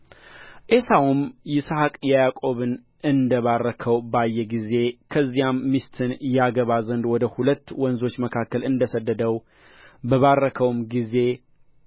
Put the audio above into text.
ዔሳውም ይስሐቅ ያዕቆብን እንደ ባረከው ባየ ጊዜ ከዚያም ሚስትን ያገባ ዘንድ ወደ ሁለት ወንዞች መካካል እንደ ሰደደው በባረከውም ጊዜ